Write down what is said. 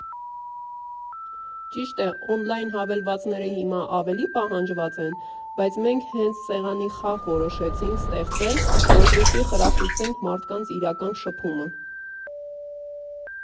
«Ճիշտ է, օնլայն հավելվածները հիմա ավելի պահանջված են, բայց մենք հենց սեղանի խաղ որոշեցինք ստեղծել, որպեսզի խրախուսենք մարդկանց իրական շփումը։